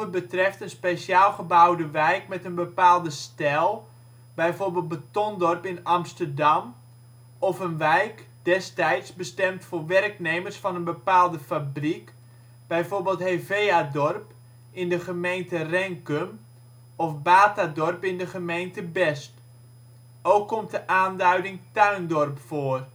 betreft een speciaal gebouwde wijk met een bepaalde stijl (bijvoorbeeld Betondorp in Amsterdam) of een wijk (destijds) bestemd voor werknemers van een bepaalde fabriek (bijvoorbeeld Heveadorp in de gemeente Renkum of Batadorp in de gemeente Best. Ook komt de aanduiding tuindorp voor